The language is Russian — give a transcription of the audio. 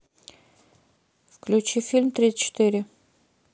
включи фильм т тридцать четыре